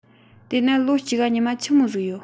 དེས ན ལོ གཅིག ག ཉི མ ཆི མོ ཟིག ཡོད